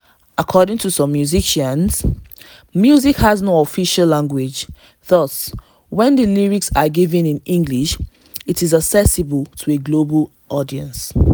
According to some musicians, music has no official language, thus when the lyrics are written in English it is accessible to a global audience.